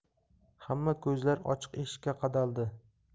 hamma ko'zlar ochiq eshikka qadaldi